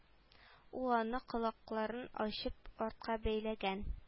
Ул аны колакларын ачып артка бәйләгән